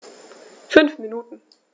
5 Minuten